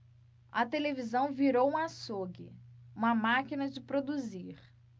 a televisão virou um açougue uma máquina de produzir